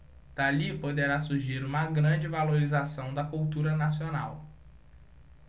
dali poderá surgir uma grande valorização da cultura nacional